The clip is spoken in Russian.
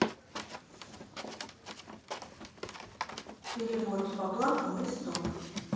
перевод поплакала и стоп